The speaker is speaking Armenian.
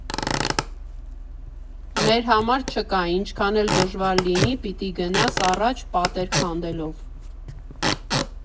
Մեր համար չկա, ինչքան էլ դժվար լինի, պիտի գնաս առաջ պատեր քանդելով։